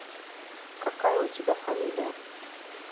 какая у тебя фамилия